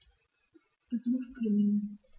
Besuchstermin